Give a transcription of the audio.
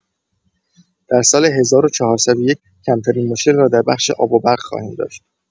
در سال ۱۴۰۱ کمترین مشکل را در بخش آب و برق خواهیم داشت.